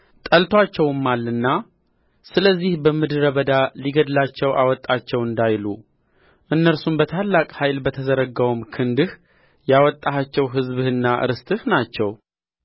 ጠልቶአቸውማልና ስለዚህ በምድረ በዳ ሊገድላቸው አወጣቸው እንዳይሉእነርሱም በታላቅ ኃይልህ በተዘረጋውም ክንድህ ያወጣሃቸው ሕዝብህና ርስትህ ናቸው